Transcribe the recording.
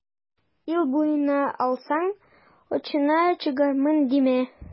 Ил буенча алсаң, очына чыгармын димә.